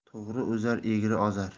to'g'ri o'zar egri ozar